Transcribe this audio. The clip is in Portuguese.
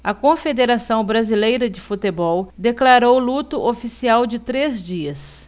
a confederação brasileira de futebol decretou luto oficial de três dias